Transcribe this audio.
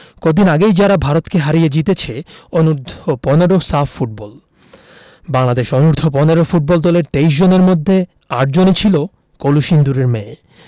কদিন আগেই যারা ভারতকে হারিয়ে জিতেছে অনূর্ধ্ব ১৫ সাফ ফুটবল বাংলাদেশ অনূর্ধ্ব ১৫ ফুটবল দলের ২৩ জনের মধ্যে ৮ জনই ছিল কলসিন্দুরের মেয়ে